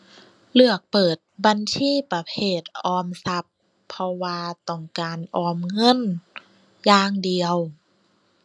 เลือกเปิดบัญชีประเภทออมทรัพย์ เพราะว่าต้องการออมเงินอย่างเดียว